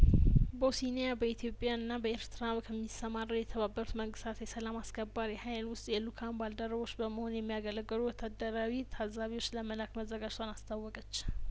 ቦሲኒ ያበኢትዮጵያ ና በኤርትራ ከሚሰማራው የተባበሩት መንግስታት የሰላም አስከባሪ ሀይል ውስጥ የልኡካን ባልደረቦች በመሆን የሚያገለግሉ ወታደራዊ ታዛቢዎች ለመላክ መዘጋጀቷን አስታወቀች